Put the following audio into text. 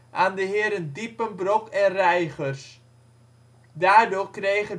aan de heren Diepenbrock en Reigers. Daardoor kreeg